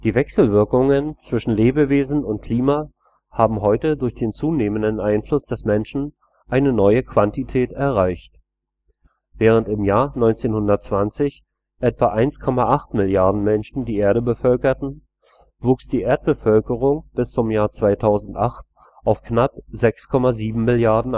Wechselwirkungen zwischen Lebewesen und Klima haben heute durch den zunehmenden Einfluss des Menschen eine neue Quantität erreicht. Während im Jahr 1920 etwa 1,8 Milliarden Menschen die Erde bevölkerten, wuchs die Erdbevölkerung bis zum Jahr 2008 auf knapp 6,7 Milliarden